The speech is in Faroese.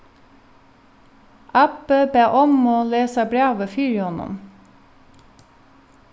abbi bað ommu lesa brævið fyri honum